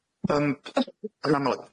Yym yn amlwg-